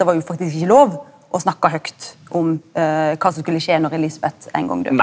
det var jo faktisk ikkje lov å snakke høgt om kva som skulle skje når Elizabeth ein gong dør.